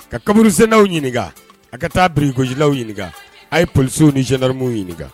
Ka kaburuzsenlaw ɲininka a ka taa birikodilaw ɲininka a' ye polisiww niɛninarmew ɲininka